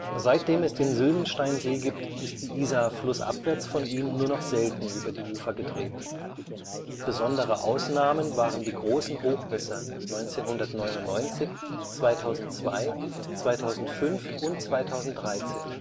Seitdem es den Sylvensteinsee gibt, ist die Isar flussabwärts von ihm nur noch selten über die Ufer getreten. Besondere Ausnahmen waren die großen Hochwässer 1999, 2002, 2005 und 2013